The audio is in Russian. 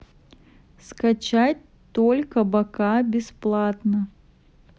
скачать только бока бесплатно